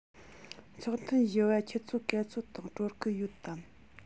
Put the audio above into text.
ཚོགས ཐུན བཞི པ ཆུ ཚོད ག ཚོད སྟེང གྲོལ གི ཡོད དམ